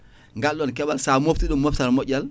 ngal keeɓal sa moftiɗum moftal moƴƴal